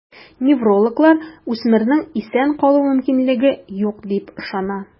Неврологлар үсмернең исән калу мөмкинлеге юк диеп ышана.